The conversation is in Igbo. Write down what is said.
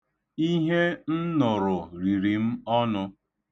Ihe m nụrụ riri m ọnụ.